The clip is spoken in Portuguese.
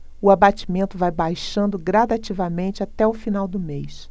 o abatimento vai baixando gradativamente até o final do mês